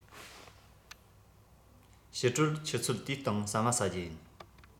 ཕྱི དྲོར ཆུ ཚོད དུའི སྟེང ཟ མ ཟ རྒྱུ ཡིན